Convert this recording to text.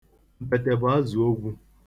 Mpete bụ azụ ogwu.